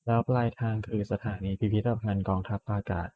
แล้วปลายทางคือสถานีพิพิธภัณฑ์กองทัพอากาศ